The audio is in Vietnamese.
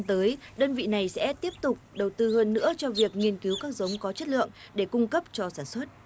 tới đơn vị này sẽ tiếp tục đầu tư hơn nữa cho việc nghiên cứu các giống có chất lượng để cung cấp cho sản xuất